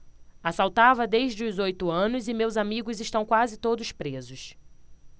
assaltava desde os oito anos e meus amigos estão quase todos presos